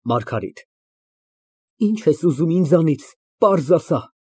ՄԱՐԳԱՐԻՏ ֊ Ի՞նչ ես ուզում ինձանից, պարզ ասա։